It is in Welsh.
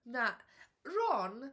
Na, Ron...